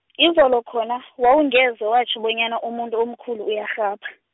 izolo khona, wawungeze watjho bonyana umuntu omkhulu uyarhapha.